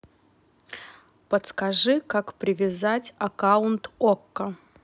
подскажи как привязать аккаунт окко